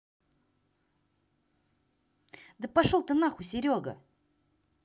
да пошел ты нахуй серега